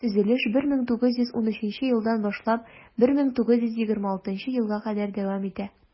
Төзелеш 1913 елдан башлап 1926 елга кадәр дәвам итә.